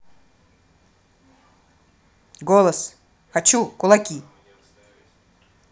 голос хочу кулаки